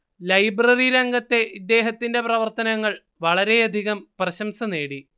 library രംഗത്തെ ഇദ്ദേഹത്തിന്റെ പ്രവർത്തനങ്ങൾ വളരെയധികം പ്രശംസ നേടി